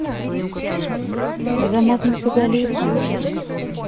азамат мусагалиев канал